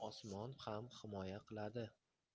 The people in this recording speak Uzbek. osmon ham himoya qiladi